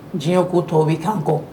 Diɲɛ ko tɔ bɛ kan kɔ